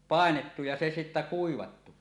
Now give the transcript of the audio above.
painettu ja se sitten kuivattu